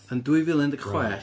Yn dwy fil a un deg chwech.